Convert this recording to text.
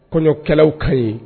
Kɔɲɔkɛlaw ka ɲi